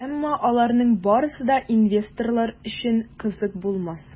Әмма аларның барысы да инвесторлар өчен кызык булмас.